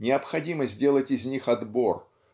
необходимо сделать из них отбор